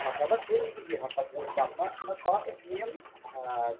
hoặc là bất cứ những gì hoặc là bụi bặm mát nó có nhiễm